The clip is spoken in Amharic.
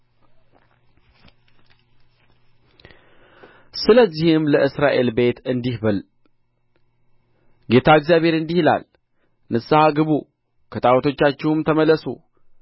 ስለዚህ ለእስራኤል ቤት እንዲህ በል ጌታ እግዚአብሔር እንዲህ ይላል ንስሐ ግቡ ከጣዖቶቻችሁም ተመለሱ